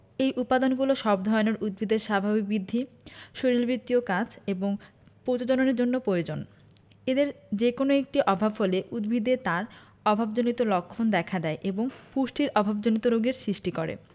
এই উপাদানগুলো সব ধরনের উদ্ভিদের স্বাভাবিক বৃদ্ধি শারীরবৃত্তীয় কাজ এবং প্রজননের জন্য প্রয়োজন এদের যেকোনো একটির অভাব হলে উদ্ভিদে তার অভাবজনিত লক্ষণ দেখা দেয় এবং পুষ্টির অভাবজনিত রোগের সৃষ্টি করে